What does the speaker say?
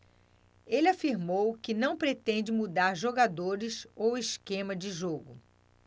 ele afirmou que não pretende mudar jogadores ou esquema de jogo